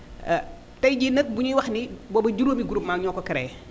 tey jii nag bu ñuy wax ni booba juróomi groupements ñoo ko créé